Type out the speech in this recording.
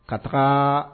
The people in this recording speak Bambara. Ka taga